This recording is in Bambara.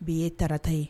Bi ye tata ye